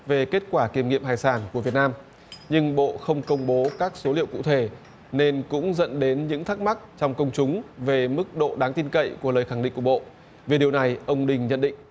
về kết quả kiểm nghiệm hải sản của việt nam nhưng bộ không công bố các số liệu cụ thể nên cũng dẫn đến những thắc mắc trong công chúng về mức độ đáng tin cậy của lời khẳng định của bộ về điều này ông đinh nhận định